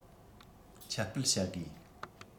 ཁྱབ སྤེལ བྱ དགོས